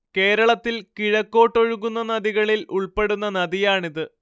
കേരളത്തിൽ കിഴക്കോട്ടൊഴുകുന്ന നദികളിൽ ഉൾപ്പെടുന്ന നദിയാണിത്